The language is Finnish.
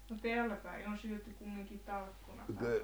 no täällä päin on syöty kumminkin talkkunaa